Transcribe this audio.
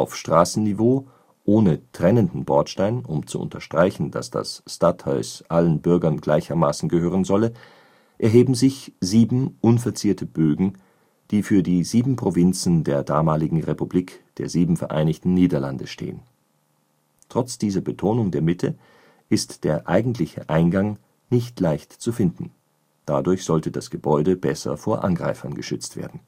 Straßenniveau – ohne „ trennenden “Bordstein, um zu unterstreichen, dass das Stadhuis allen Bürgern gleichermaßen gehören solle – erheben sich sieben unverzierte Bögen, die für die sieben Provinzen der damaligen Republik der Sieben Vereinigten Niederlande stehen. Trotz dieser Betonung der Mitte ist der eigentliche Eingang nicht leicht zu finden; dadurch sollte das Gebäude besser vor Angreifern geschützt werden